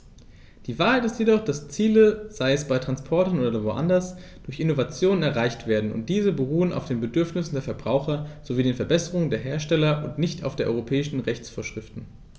Die Wahrheit ist jedoch, dass Ziele, sei es bei Transportern oder woanders, durch Innovationen erreicht werden, und diese beruhen auf den Bedürfnissen der Verbraucher sowie den Verbesserungen der Hersteller und nicht nur auf europäischen Rechtsvorschriften.